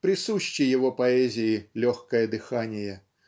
Присуще его поэзии легкое дыхание.